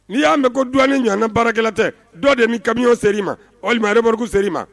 Ni y'a mɛn ko dɔn ni ɲan ka baarakɛla tɛ dɔ de ni kamiy se i ma walimareburu ser i ma